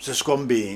Sosokɔgɔ bɛ yen